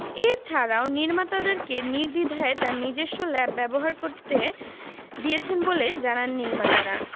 এছাড়াও নির্মাতাদেরকে নির্দ্বিধায় তার নিজস্ব ল্যাব ব্যবহার করতে দিয়েছেন বলে জানান নির্মাতারা